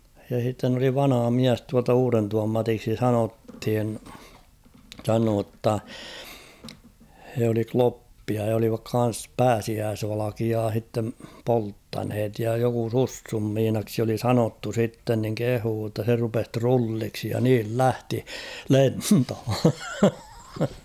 ja sitten oli vanha mies tuolta Uudentuvan Matiksi sanottiin sanoi jotta he oli kloppeja ja olivat kanssa pääsiäisvalkeaa sitten polttaneet ja joku Sussun Miinaksi oli sanottu sitten niin kehui jotta se rupesi trulliksi ja niin lähti lentoon